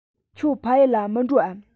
ཁྱོད ཕ ཡུལ ལ མི འགྲོ འམ